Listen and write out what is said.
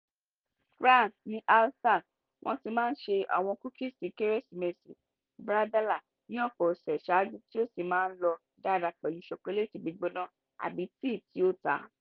France – Ní Alsace wọ́n ti máa ń ṣe àwọn kúkìsì Kérésìmesì, bredela, ní ọ̀pọ̀ ọ̀sẹ̀ ṣáájú tí ó sì máa ń lọ dáadáa pẹ̀lú ṣokoléètì gbígbóná àbí tíì tí ó ta.